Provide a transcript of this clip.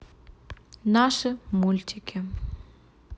наши мультики